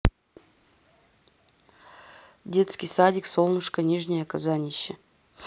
детский садик солнышко нижнее казанище